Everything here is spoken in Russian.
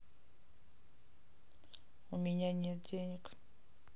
у меня нет денег